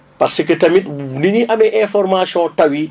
parce que tamit ni ñuy amee information taw yi